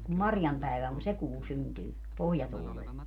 kun Marjan päivä on se kuu syntyy pohjatuulella